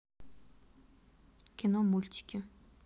кино мультики